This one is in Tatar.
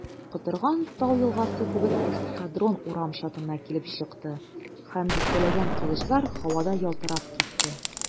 Котырган тау елгасы кебек эскадрон урам чатына килеп чыкты, һәм дистәләгән кылычлар һавада ялтырап китте.